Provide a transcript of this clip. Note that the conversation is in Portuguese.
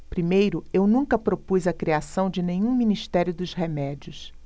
primeiro eu nunca propus a criação de nenhum ministério dos remédios